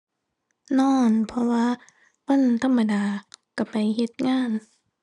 นอน เพราะว่าวันธรรมดาก็ไปเฮ็ดงาน